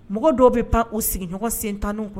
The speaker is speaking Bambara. Mɔgɔ dɔw bi pan o sigiɲɔgɔn sentan nu ku